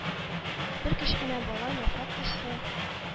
Бер кечкенә бала, яфрак төсле